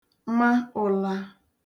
ma ụ̀la